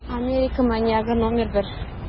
Америка маньягы № 1